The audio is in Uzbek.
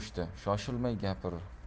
sezganday yuragi uvushdi shoshilmay gapir